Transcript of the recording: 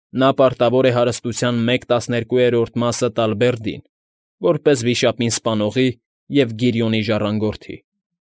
Նա պարտավոր է հարստության մեկ տասներկուերորդ մասը տալ Բերդին, որպես վիշապին սպանողի և Գիրիոնի ժառանգորդի։